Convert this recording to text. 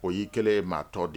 O y'i kɛlen ye maa tɔ d